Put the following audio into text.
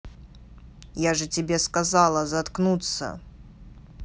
я же тебе сказала заткнуться